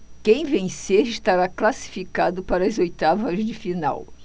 quem vencer estará classificado para as oitavas de final